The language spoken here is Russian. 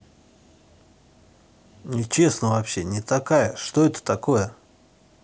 нечестно вообще не такая что это такое